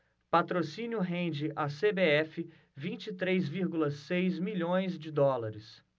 patrocínio rende à cbf vinte e três vírgula seis milhões de dólares